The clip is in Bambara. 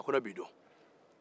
a ko ne b'i dɔn